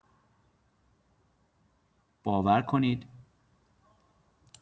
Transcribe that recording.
باور کنید